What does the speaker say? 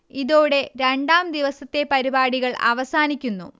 ഇതോടെ രണ്ടാം ദിവസത്തെ പരിപാടികൾ അവസാനിക്കുന്നു